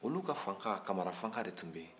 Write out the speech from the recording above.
olu ka fanka kamarafanka de tun bɛ ye